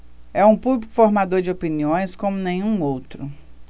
é um público formador de opinião como nenhum outro